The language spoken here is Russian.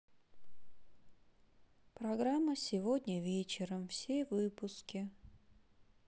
программа сегодня вечером все выпуски